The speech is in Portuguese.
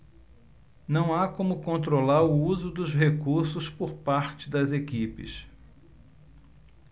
não há como controlar o uso dos recursos por parte das equipes